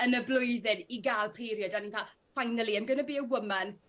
yn y blwyddyn i ga'l period a o'n i'n ca'l finally I'm gonna be a woman.